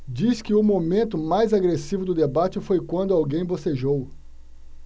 diz que o momento mais agressivo do debate foi quando alguém bocejou